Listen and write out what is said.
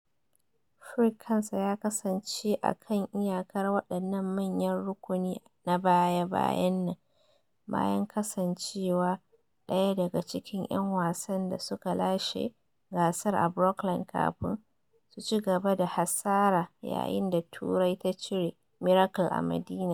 Furyk kansa ya kasance a kan iyakar wadannan manyan rukuni na baya-bayan nan, bayan kasancewa daya daga cikin 'yan wasan da suka lashe gasar a Brookline kafin su ci gaba da hasara yayin da Turai ta cire "Miracle a Madinah."